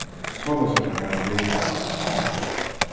soleiðis er tað bara blivið